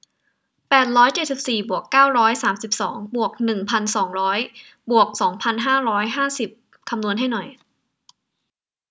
แปดร้อยเจ็ดสิบสี่บวกเก้าร้อยสามสิบสองบวกหนึ่งพันสองร้อยบวกสองพันห้าร้อยห้าสิบคำนวณให้หน่อย